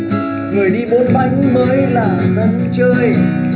người đi bốn bánh mới là dân chơi